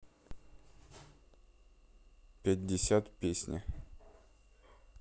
пятьдесят песня